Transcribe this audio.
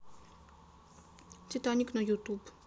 титаник на ютуб